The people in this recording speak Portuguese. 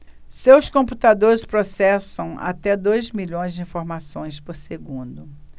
seus computadores processam até dois milhões de informações por segundo